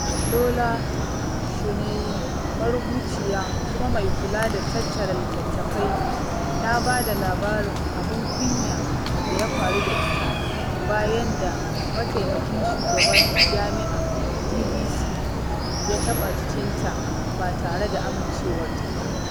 Lola Shoneyin marubuciya kuma mai kula da tattara litattafai ta ba da labarin "abin kunya" da ya faru da ita bayan da Mataimakin Shugaban Jami'a (DVC) ya taɓa jikinta ba tare da amincewarta ba.